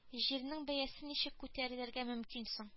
Җирнең бәясе ничек күтәрелергә мөмкин соң